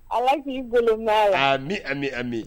Ala k'i bolo'a yan bi a bɛ an bi